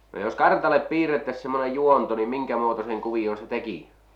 no jos kartalle piirrettäisiin semmoinen juonto niin minkämuotoisen kuvion se teki